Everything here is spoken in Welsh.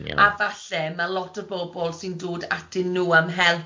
A falle ma' lot o bobl sy'n dod atyn nhw am help